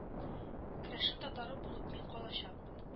Керәшен татары булып мин калачакмын